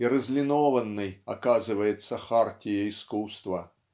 и разлинованной оказывается хартия искусства!